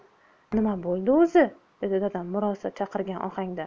nima bo'ldi o'zi dedi dadam murosaga chaqirgan ohangda